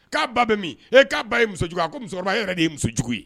K'a ba bɛ min e k'a ba ye muso musokɔrɔba yɛrɛ de ye musojugu ye